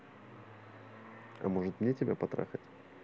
а можете мне тебя потрахать